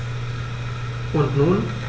Und nun?